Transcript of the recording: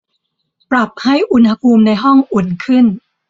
ปรับให้อุณหภูมิในห้องอุ่นขึ้น